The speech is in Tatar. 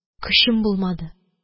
Көчем булмады